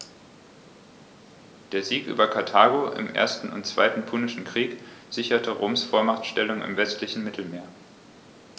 Der Sieg über Karthago im 1. und 2. Punischen Krieg sicherte Roms Vormachtstellung im westlichen Mittelmeer.